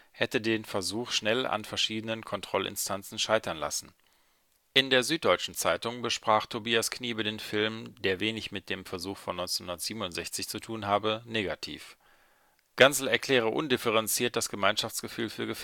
hätte den Versuch schnell an verschiedenen Kontrollinstanzen scheitern lassen. In der Süddeutschen Zeitung besprach Tobias Kniebe den Film, der wenig mit dem Versuch von 1967 zu tun habe, negativ. Gansel erkläre undifferenziert das Gemeinschaftsgefühl für